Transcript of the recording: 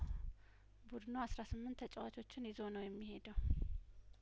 ቡድኑ አስራ ስምንት ተጨዋቾችን ይዞ ነው የሚሄደው